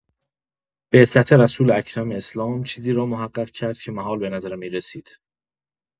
بعثت رسول اکرم اسلام چیزی را محقق کرد که محال به نظر می‌رسید.